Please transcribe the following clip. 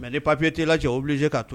Mais ni papier t'i la tu es obligé ka to yen.